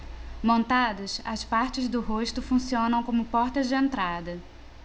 montadas as partes do rosto funcionam como portas de entrada